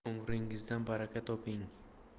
umringizdan baraka toping